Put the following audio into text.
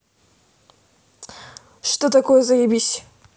что такое заебись